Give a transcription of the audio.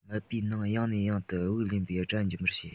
མིད པའི ནང ཡང ནས ཡང དུ དབུགས ལེན པའི སྒྲ འབྱིན པར བྱེད